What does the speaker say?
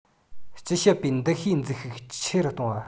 སྤྱི ཞབས པའི འདུ ཤེས འཛིན ཤུགས ཆེ རུ གཏོང བ